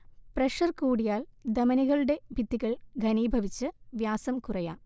pressure കൂടിയാൽ ധമനികളുടെ ഭിത്തികൾ ഘനീഭവിച്ചു വ്യാസം കുറയാം